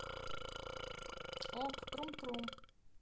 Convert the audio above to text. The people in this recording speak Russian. ок трум трум